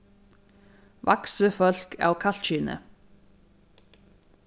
vaksið fólk av kallkyni